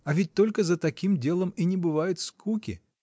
А ведь только за таким делом и не бывает скуки!